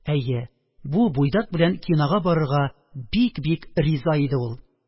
Әйе, бу буйдак белән кинога барырга бик-бик риза иде ул